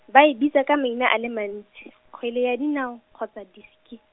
ba e bitsa ka maina a le mantsi, kgwele ya dinao, kgotsa diski.